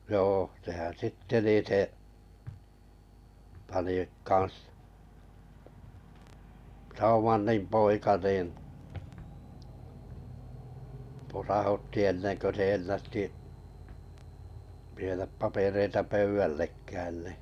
joo sehän sitten niin se pani kanssa Schaumanin poika niin posautti ennen kuin se ennätti viedä papereita pöydällekään niin